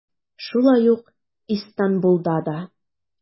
Шулай ук Истанбулда да.